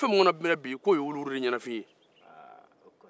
ko fɛn min e n na bi k'o ye olu ɲɛnafinye